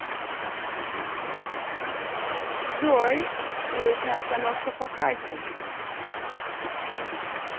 джой песня обстановка по кайфу